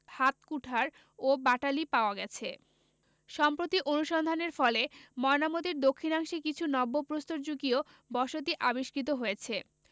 হাত কুঠার ও বাটালি পাওয়া গেছে সম্প্রতি অনুসন্ধানের ফলে ময়নামতীর দক্ষিণাংশে কিছু নব্য প্রস্তরযুগীয় বসতি আবিষ্কৃত হয়েছে